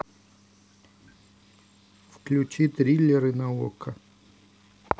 включи триллеры на окко